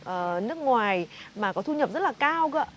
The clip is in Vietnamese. ờ nước ngoài mà có thu nhập rất là cao cơ ạ